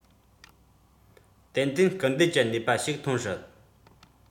ཏན ཏན སྐུལ འདེད ཀྱི ནུས པ ཞིག ཐོན སྲིད